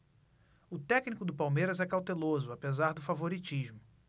o técnico do palmeiras é cauteloso apesar do favoritismo